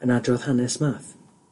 yn adrodd hanes Math